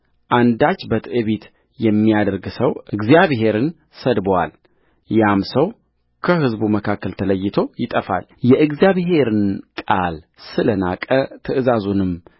አንዳች በትዕቢት የሚያደርግ ሰው እግዚአብሔርን ሰድቦአል ያም ሰው ከሕዝቡ መካከል ተለይቶ ይጠፋልየእግዚአብሔርን ቃል ስለ ናቀ ትእዛዙንም